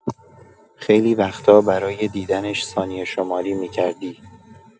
خیلی وقتا برای دیدنش ثانیه‌شماری می‌کردی.